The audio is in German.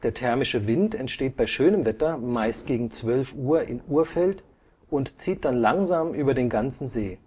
thermische Wind entsteht bei schönem Wetter meist gegen 12 Uhr in Urfeld und zieht dann langsam über den ganzen See